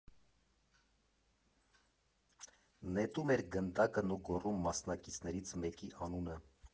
Նետում էր գնդակն ու գոռում մասնակիցներից մեկի անունը։